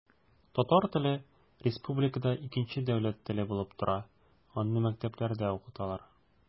Татар теле республикада икенче дәүләт теле булып тора, аны мәктәпләрдә укыталар.